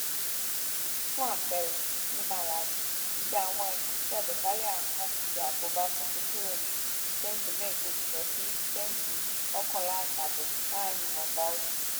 Fún àpẹẹrẹ, ní Malawi ìdá àwọn èèyàn tí àjàkálẹ̀-àrùn náà ṣe àkóbá fún ti kúrò ní 15% lọ sí 11.5% láàárín ìwọ̀nba ọdún.